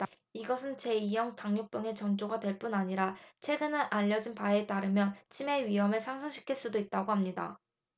이것은 제 이 형 당뇨병의 전조가 될 뿐 아니라 최근에 알려진 바에 따르면 치매의 위험을 상승시킬 수도 있다고 합니다